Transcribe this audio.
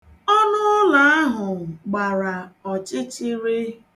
Ọnụụlọ ahụ gbara ọchịchịrị.